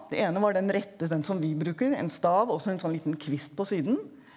det ene var den rette, den som vi bruker, en stav og så en sånn liten kvist på siden.